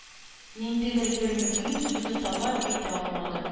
Ниндидер бик мөһим сүзне таба, әйтә алмады...